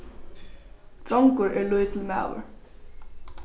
drongur er lítil maður